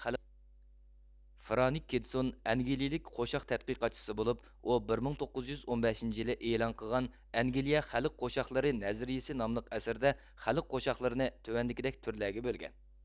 فرانك كىدسون ئەنگىلىيىلىك قوشاق تەتقىقاتچىسى بولۇپ ئۇ بىر مىك توققۇز يۇز ئون بەشىنچى يىلى ئېلان قىلغان ئەنگىلىيە خەلق قوشاقلىرى نەزەرىيىسى ناملىق ئەسىرىدە خەلق قوشاقلىرىنى تۆۋەندىكىدەك تۈرلەرگە بۆلگەن